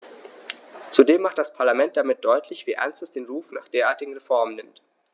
Zudem macht das Parlament damit deutlich, wie ernst es den Ruf nach derartigen Reformen nimmt.